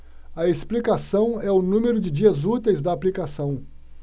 a explicação é o número de dias úteis da aplicação